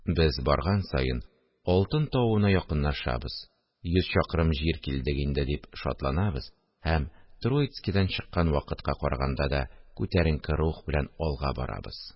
Без, барган саен, «алтын тавы»на якынлашабыз, йөз чакрым җир килдек инде дип шатланабыз һәм Троицкидан чыккан вакытка караганда да күтәренке рух белән алга барабыз